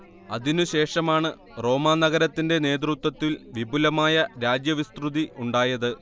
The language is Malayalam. അതിനുശേഷമാണ് റോമാനഗരത്തിന്റെ നേതൃത്വത്തിൽ വിപുലമായ രാജ്യവിസ്തൃതി ഉണ്ടായത്